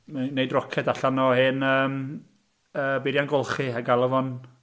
Mae'n wneud roced allan o hen yym beiriant golchi a galw fo'n...